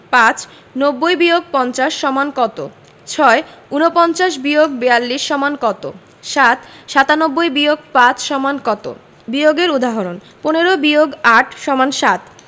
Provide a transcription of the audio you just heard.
৫ ৯০-৫০ = কত ৬ ৪৯-৪২ = কত ৭ ৯৭-৫ = কত বিয়োগের উদাহরণঃ ১৫ – ৮ = ৭